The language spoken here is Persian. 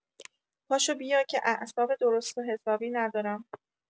پاشو بیا که اعصاب درست و حسابی ندارم.